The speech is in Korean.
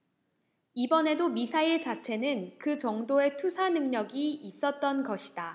이번에도 미사일 자체는 그 정도의 투사능력이 있었던 것이다